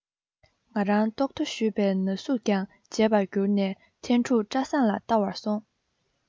ང རང རྡོག ཐོ གཞུས པའི ན ཟུག ཀྱང བརྗེད པ གྱུར ནས ཐན ཕྲུག བཀྲ བཟང ལ བལྟ བར སོང